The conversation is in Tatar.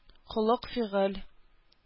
Холык-фигыль